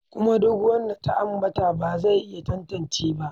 ""Kuma duk wanda ta ambata ba zai iya tantancewa ba."